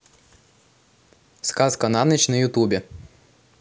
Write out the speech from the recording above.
сказка на ночь на ютубе